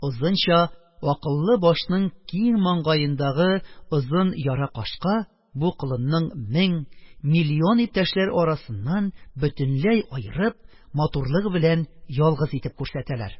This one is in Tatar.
Озынча, акыллы башның киң маңгаендагы озын яра кашка - бу колынны мең миллион иптәшләр арасыннан бөтенләй аерып, матурлыгы белән ялгыз итеп күрсәтәләр.